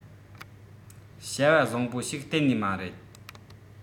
བྱ བ བཟང པོ ཞིག གཏན ནས མ རེད